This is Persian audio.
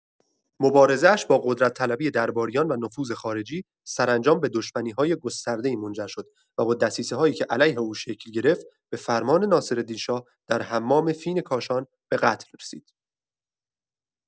مبارزه‌اش با قدرت‌طلبی درباریان و نفوذ خارجی، سرانجام به دشمنی‌های گسترده‌ای منجر شد و با دسیسه‌هایی که علیه او شکل گرفت، به‌فرمان ناصرالدین‌شاه در حمام فین کاشان به قتل رسید.